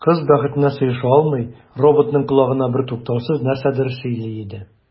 Кыз, бәхетенә сыеша алмый, роботның колагына бертуктаусыз нәрсәдер сөйли иде.